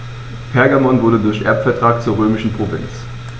Pergamon wurde durch Erbvertrag zur römischen Provinz.